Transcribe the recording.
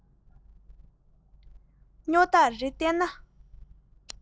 སྨྱོ རྟགས རེ བསྟན ན